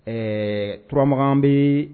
Ɛɛ turamakan bɛ